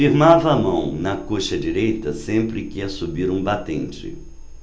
firmava a mão na coxa direita sempre que ia subir um batente